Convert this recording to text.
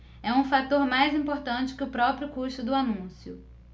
é um fator mais importante que o próprio custo do anúncio